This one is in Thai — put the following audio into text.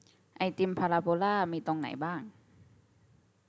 ไอติมพาราโบลามีตรงไหนบ้าง